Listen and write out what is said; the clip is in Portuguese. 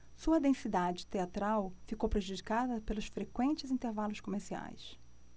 sua densidade teatral ficou prejudicada pelos frequentes intervalos comerciais